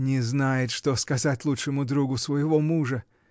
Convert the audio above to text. — Не знает, что сказать лучшему другу своего мужа!